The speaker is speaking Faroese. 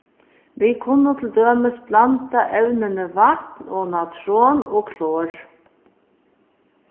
vit kunnu til dømis blanda evnini vatn og natron og klor